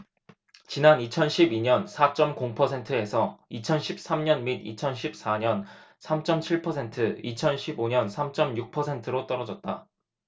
지난 이천 십 이 년 사 쩜 공 퍼센트에서 이천 십 삼 년 및 이천 십 사 년 삼 쩜 칠 퍼센트 이천 십 오 년 삼 쩜 육 퍼센트로 떨어졌다